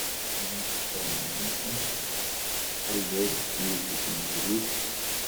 Waa kaba oo dumar oo hal joogkiisa guduud